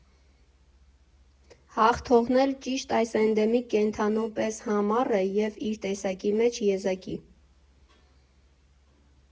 Հաղթողն էլ ճիշտ այս էնդեմիկ կենդանու պես համառ է և իր տեսակի մեջ եզակի։